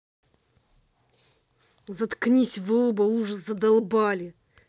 заткнитесь вы оба ужас задолбали